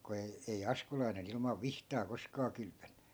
kun ei ei askulainen ilman vihtaa koskaan kylpenyt